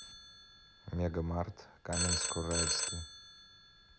мегамарт каменск уральский